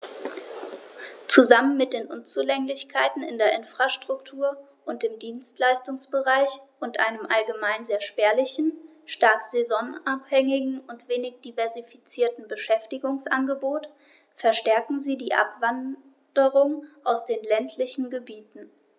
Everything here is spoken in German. Zusammen mit den Unzulänglichkeiten in der Infrastruktur und im Dienstleistungsbereich und einem allgemein sehr spärlichen, stark saisonabhängigen und wenig diversifizierten Beschäftigungsangebot verstärken sie die Abwanderung aus den ländlichen Gebieten.